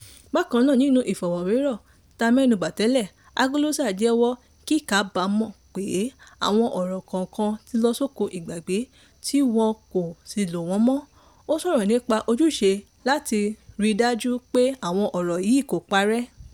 Bákan náà, nínu ìfọ̀rọ̀wérọ̀ tá mẹnubà tẹ́lẹ̀, Agualusa jẹ́wọ́ “kíkàbámọ̀ pé àwọn ọ̀rọ̀ kan ti lọ sóko ìgbàgbé tí wọ́n kò sì lò wọ́n mọ́” ó sọ̀rọ̀ nípa “ojúṣe láti ri dájú pé àwọn ọ̀rọ̀ yìí kò parẹ́”